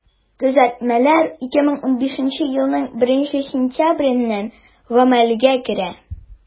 Төзәтмәләр 2015 елның 1 сентябреннән гамәлгә керә.